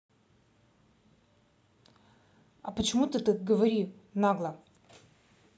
а почему ты так говори нагло